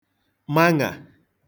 maṅà